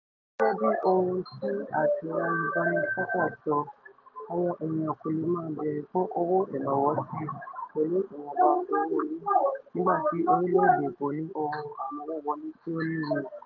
Gẹ́gẹ́ bí ohun tí @LahibBaniSakher sọ, Àwọn èèyàn kò lè máa bèèrè fún owó ìrànwọ́ síi pẹ̀lú ìwọ̀nba owó-orí, nígbà tí orílẹ̀-èdè kò ní ohun amówówọlé tí ó níye.